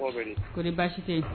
Kore baasi tɛ